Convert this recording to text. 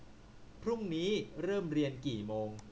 พรุ่งนี้เริ่มเรียนกี่โมง